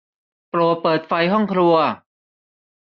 โปรดเปิดไฟห้องครัว